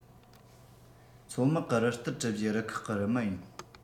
མཚོ དམག གི རུ སྟར གྲུ བཞིའི རུ ཁག གི རུ མི ཡིན